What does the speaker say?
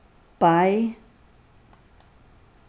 bei